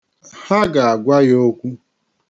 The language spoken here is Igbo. Ha ga-agwa ya okwu.